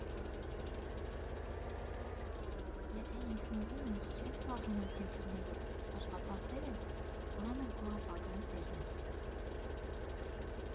«Եթե ինքնուրույն ես, չես վախենում խնդիրներից, աշխատասեր ես, ուրեմն քո ապագայի տերն ես»։